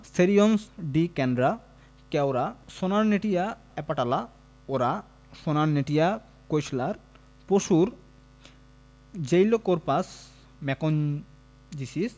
Ceriops decandra কেওড়া Sonneratia apetala ওড়া Sonneratia caseolaris পশুর জেইলোকার্পাস মেকংঞ্জিসিস